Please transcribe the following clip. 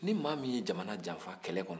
n'i maa min ye jamana janfa kɛlɛ kɔnɔ